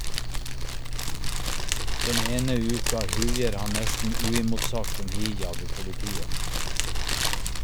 Den ene uka huier han nesten uimotsagt om hijab i politiet.